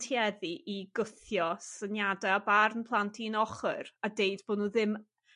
tueddu i gwthio syniade a barn plant i un ochor a deud bo' nw ddim